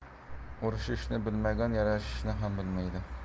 urishishni bilmagan yarashishni ham bilmaydi